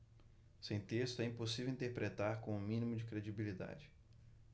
sem texto é impossível interpretar com o mínimo de credibilidade